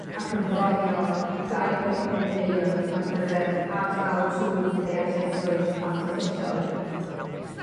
ac yn bro'io dau pwynt pump miliwn ar gyfer ardal twf deallusrwydd artiffisial.